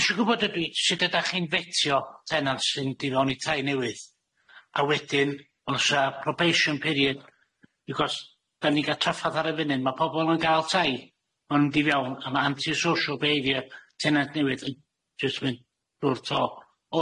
Isho gwbod ydw i sud ydach chi'n fetio tenant sy'n d' fewn i tai newydd a wedyn o's a probation piriyd achos 'dan ni ga'l traffath ar y funud ma' pobol yn ga'l tai ma' nw'n 'di fewn a ma' antisoshyl bihefiyr tenant newydd yn jyst myn' drw'r to.